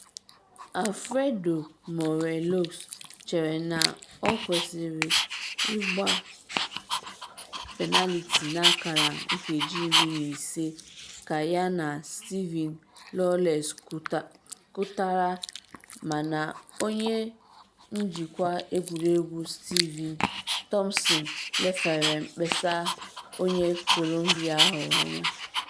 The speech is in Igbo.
Alfredo Morelos chere na ọ kwesịrị ịgba penaliti n’akara nkeji iri na ise ka ya na Steven Lawless kụtara mana onye njikwa egwuregwu Steven Thomson lefere mkpesa onye Columbia ahụ anya.